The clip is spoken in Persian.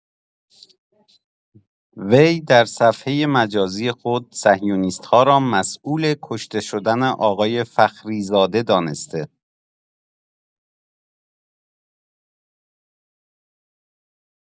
وی در صفحه مجازی خود «صهیونیست‌ها» را مسئول کشته شدن آقای فخری زاده دانسته